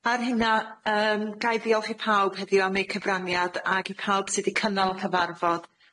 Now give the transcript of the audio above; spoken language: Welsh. Ar hynna, yym ga i ddiolch i pawb heddiw am eu cyfraniad, ag i pawb sy 'di cynnal cyfarfod